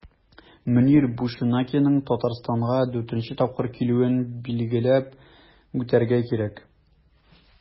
Мөнир Бушенакиның Татарстанга 4 нче тапкыр килүен билгеләп үтәргә кирәк.